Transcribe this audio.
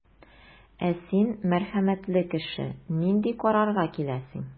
Ә син, мәрхәмәтле кеше, нинди карарга киләсең?